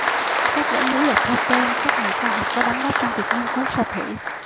các dãy núi đặt theo tên các nhà khoa học có đóng góp trong việc nghiên cứu sao thủy